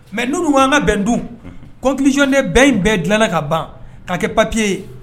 Mɛ ninnu an ka bɛn dun kɔnmfic ne bɛɛ in bɛɛ dilana ka ban ka kɛ papi ye